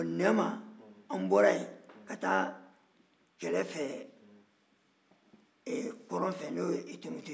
nɛma an bɔra yen ka taa kɛlɛ fɛ kɔrɔn fɛ n'o tunbutu ye